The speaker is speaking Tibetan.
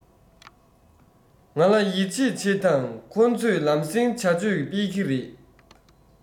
ང ལ ཡིད ཆེས བྱེད དང ཁོ ཚོས ལམ སེང བྱ སྤྱོད སྤེལ གི རེད